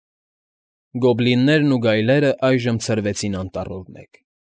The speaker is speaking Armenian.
Գոբլիննեն ու գայլերն այժմ ցրվեցին անտառով մեկ։